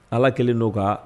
Ala kɛlen don kan